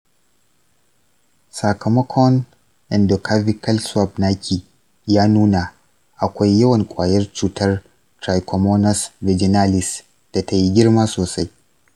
sakamakon endocervical swab naki ya nuna akwai yawan kwayar cutar trichomonas vaginalis da ta yi girma sosai.